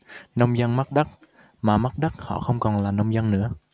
nông dân mất đất mà mất đất họ không còn là nông dân nữa